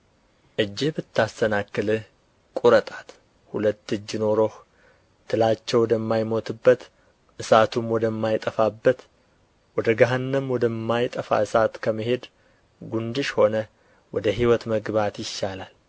እጅህ ብታሰናክልህ ቍረጣት ሁለት እጅ ኖሮህ ትላቸው ወደማይሞትበት እሳቱም ወደማይጠፋበት ወደ ገሃነም ወደማይጠፋ እሳት ከመሄድ ጕንድሽ ሆነህ ወደ ሕይወት መግባት ይሻላል